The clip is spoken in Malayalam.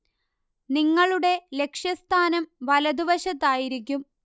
നിങ്ങളുടെ ലക്ഷ്യസ്ഥാനം വലതുവശത്തായിരിക്കും